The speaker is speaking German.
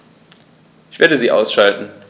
Ich werde sie ausschalten